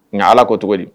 Nka ala ko cogo di